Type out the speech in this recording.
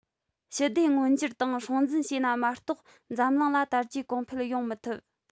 ཞི བདེ མངོན འགྱུར དང སྲུང འཛིན བྱས ན མ གཏོགས འཛམ གླིང ལ དར རྒྱས གོང འཕེལ ཡོང མི ཐུབ